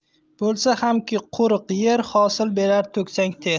bo'lsa hamki qo'riq yer hosil berar to'ksang ter